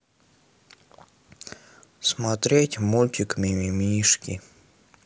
смотреть мультик мимимишки